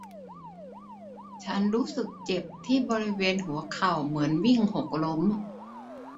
ฉันรู้สึกเจ็บที่บริเวณหัวเข่าเหมือนวิ่งหกล้ม